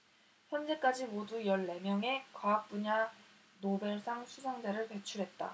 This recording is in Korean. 현재까지 모두 열 네 명의 과학분야 노벨상 수상자를 배출했다